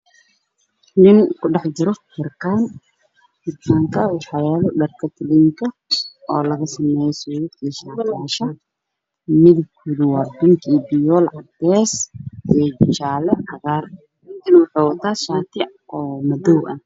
Nin fadhi arqan wana dharka tolinka oo laga sameyo suud io shatiyal midabkode waa binki fiyol cades jale cagar ninka waxow wata shati madow ah